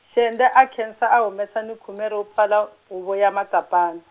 Xede a nkhensa a humesa ni khume ro pfala, huvo ya Makapana.